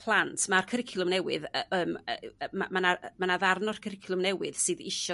plant ma'r cwricwlwm newydd yym ma' 'na ma' 'na ddarn o'r cwricwlwm newydd sydd isio.